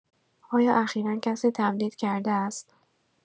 آیا اخیرا کسی تمدید کرده است؟